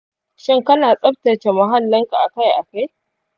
shin kana tsaftace muhallinka akai-akai?